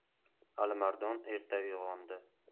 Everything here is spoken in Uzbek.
alimardon erta uyg'ondi